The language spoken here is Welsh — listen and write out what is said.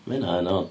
Ma' hynna yn od.